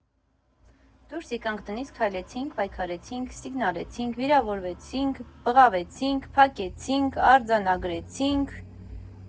Դուրս եկանք տնից, քայլեցինք, պայքարեցինք, սիգնալեցինք, վիրավորվեցինք, բղավեցինք, փակեցինք, արձանագրեցինք…